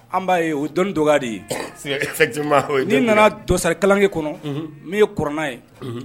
An b'a ye o dɔnni dɔgɔ de ye n' nana dosarikalange kɔnɔ min ye kna ye